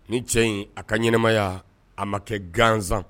Ni cɛ in a ka ɲmaya a ma kɛ gansan